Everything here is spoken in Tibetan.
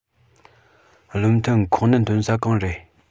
བློ མཐུན ཁོག ནད སྟོན ས གང རེད